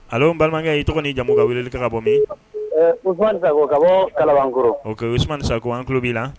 A balimakɛ' tɔgɔ ni jamu ka wuli ka ka bɔ min uman ni sa an tulolo b'i la